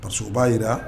Pa b'a jira